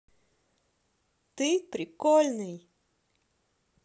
ты прикольный